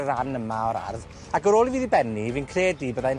y ran yma o'r ardd, ag ar ôl i fi 'di benni, fi'n credu byddai'n